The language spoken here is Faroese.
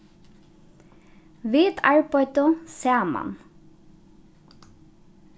vit arbeiddu saman